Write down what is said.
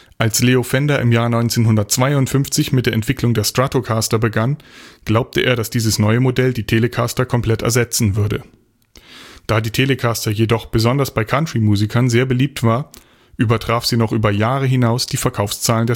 Als Leo Fender im Jahr 1952 mit der Entwicklung der Stratocaster begann, glaubte er, dass dieses neue Modell die Telecaster komplett ersetzen würde. Da die Telecaster jedoch besonders bei Countrymusikern sehr beliebt war, übertraf sie noch über Jahre hinaus die Verkaufszahlen